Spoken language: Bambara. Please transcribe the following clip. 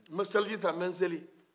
n bɛ n selijita n bɛ seli